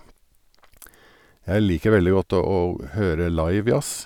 Jeg liker veldig godt å å høre live jazz.